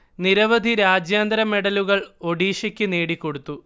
നിരവധി രാജ്യാന്തര മെഡലുകൾ ഒഡീഷയ്ക്ക് നേടിക്കൊടുത്തു